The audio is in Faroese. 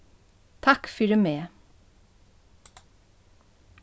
takk fyri meg